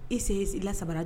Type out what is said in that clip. Ese la sabara